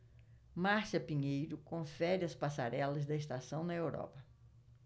márcia pinheiro confere as passarelas da estação na europa